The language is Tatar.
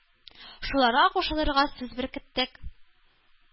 Шуларга кушылырга сүз беркеттек,